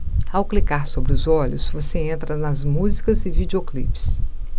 ao clicar sobre os olhos você entra nas músicas e videoclipes